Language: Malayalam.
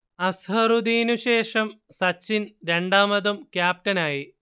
അസ്ഹറുദ്ദീനു ശേഷം സച്ചിൻ രണ്ടാമതും ക്യാപ്റ്റനായി